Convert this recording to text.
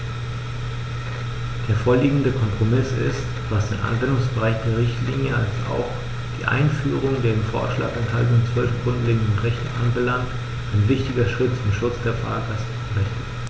Der vorliegende Kompromiss ist, was den Anwendungsbereich der Richtlinie als auch die Einführung der im Vorschlag enthaltenen 12 grundlegenden Rechte anbelangt, ein wichtiger Schritt zum Schutz der Fahrgastrechte.